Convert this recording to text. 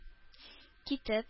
Китеп